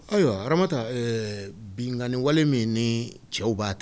Ayiwa aradamamata binkanani wale min ni cɛw b'a ta